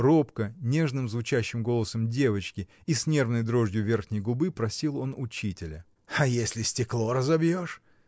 — робко, нежно звучащим голосом девочки и с нервной дрожью верхней губы просил он учителя. — А если стекло разобьешь?